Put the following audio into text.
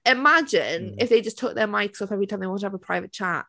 Imagine, if they just took their mics off every time they wanted to have a private chat.